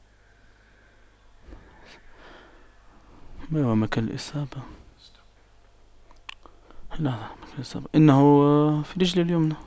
مكان الإصابة هنا انه في الرجل اليمنى